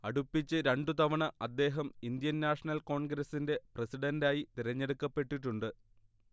അടുപ്പിച്ച് രണ്ടു തവണ അദ്ദേഹം ഇന്ത്യൻ നാഷണൽ കോൺഗ്രസിന്റെ പ്രസിഡന്റായി തെരഞ്ഞെടുക്കപ്പെട്ടിട്ടുണ്ട്